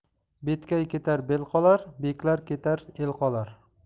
betkay ketar bel qolar beklar ketar el qolar